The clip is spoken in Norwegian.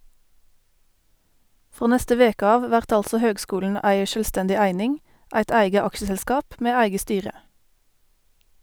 Frå neste veke av vert altså høgskulen ei sjølvstendig eining, eit eige aksjeselskap med eige styre.